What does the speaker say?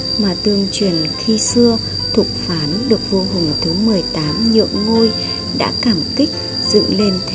mà tương truyền khi xưa thục phán được vua hùng thứ nhượng ngôi đã cảm kích dựng nên thề